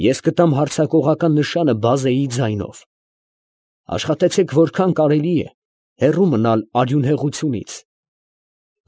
Ես կտամ հարձակողական նշանը բազեի ձայնով։ Աշխատեցեք, որքան կարելի է, հեռու մնալ արյունհեղությունից։